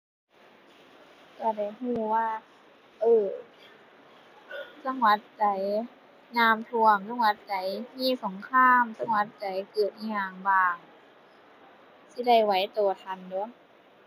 ก็ได้ก็ว่า เอ้อ จังหวัดใดน้ำท่วม จังหวัดใดมีสงคราม จังหวัดใดเกิดอิหยังบ้าง สิได้ไหวก็ทันเด้อ